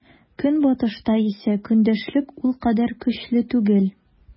Көнбатышта исә көндәшлек ул кадәр көчле түгел.